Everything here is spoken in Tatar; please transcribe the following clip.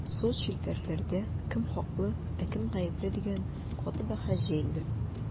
Соцчелтәрләрдә кем хаклы, ә кем гапле дигән каты бәхәс җәелде.